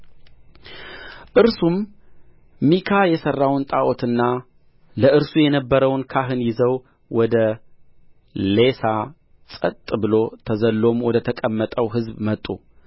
እርሱም ሚካ የሠራውን ጣዖትና ለእርሱ የነበረውን ካህን ይዘው ወደ ሌሳ ጸጥ ብሎ ተዘልሎም ወደ ተቀመጠው ሕዝብ መጡ